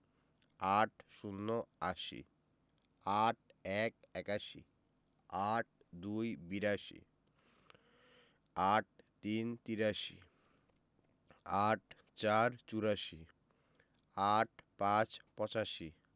৮০ - আশি ৮১ – একাশি ৮২ – বিরাশি ৮৩ – তিরাশি ৮৪ – চুরাশি ৮৫ – পঁচাশি